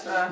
waaw